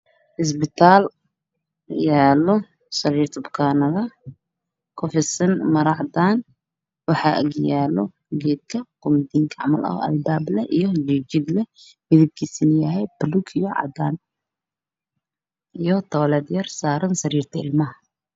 Halkaan waxaa ka muuqdo labo qaanad mid waa cadaan iyo buluug midka kale waa jaalo